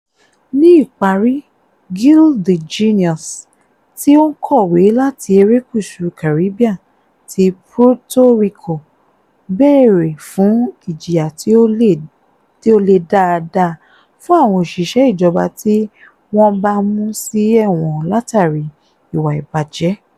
Ní ìparí, "Gill the Jenius", tí ó ń kọ̀wé láti erékùṣù Caribbean ti Puerto Rico bèèrè fún ìjìyà tí ó lè dáadáa fún àwọn òṣìṣẹ́ ìjọba tí wọ́n bá mú sí ẹ̀wọ̀n látààrí ìwà ìbàjẹ́.